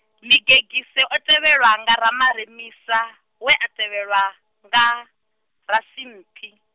Ḽigegise o tevhelwa nga Ramaremisa, we a tevhelwa, nga, Rasimphi.